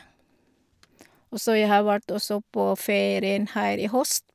Og så jeg har vært også på ferien her i høst.